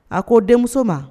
A ko denmuso ma